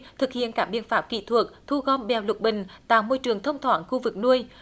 thực hiện các biện pháp kỹ thuật thu gom bèo lục bình tạo môi trường thông thoáng khu vực nuôi